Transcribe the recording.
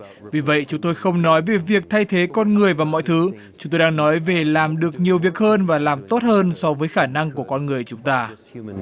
vì vậy chúng tôi không nói về việc thay thế con người và mọi thứ chúng tôi đang nói về làm được nhiều việc hơn và làm tốt hơn so với khả năng của con người chúng ta